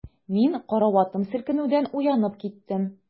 Мин караватым селкенүдән уянып киттем.